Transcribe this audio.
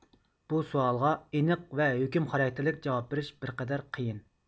بۇ سوئالغا ئېنىق ۋە ھۆكۈم خاراكتېرلىك جاۋاب بېرىش بىرقەدەر قىيىن